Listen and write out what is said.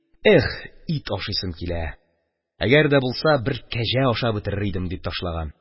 «их, ит ашыйсым килә, әгәр булса, бер кәҗә ашап бетерер идем», – дип әйтеп ташлаган.